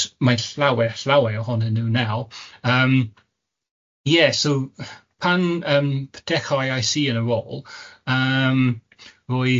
mae llawer llawer ohonyn nhw nawr, ym ie so pan yym dechrauais i yn y rôl yym roedd